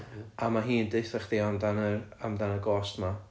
A ma' hi'n deutha chdi amdan yr... amdan y ghost 'ma.